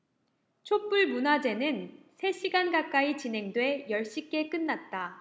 촛불 문화제는 세 시간 가까이 진행돼 열 시께 끝났다